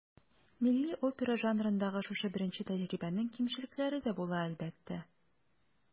Милли опера жанрындагы шушы беренче тәҗрибәнең кимчелекләре дә була, әлбәттә.